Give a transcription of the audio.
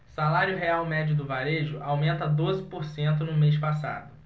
salário real médio do varejo aumenta doze por cento no mês passado